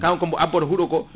taw ko bo abboto huuɗoko